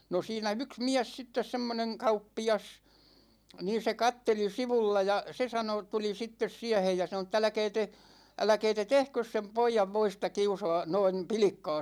no siinä yksi mies sitten semmoinen kauppias niin se katseli sivulla ja se sanoi tuli sitten siihen ja sanoi että älkää te älkää te tehkö sen pojan voista kiusaa noin pilkkaa